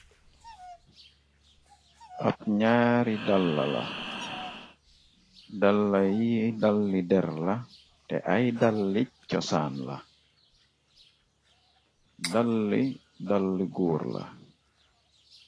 Ab ñaari dalla la dalla yi dalli der la te ay dalli cosaan la dalli dalli guur la.